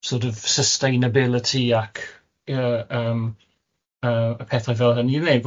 sort of sustainability ac, you know, yym yy y pethau fel hynny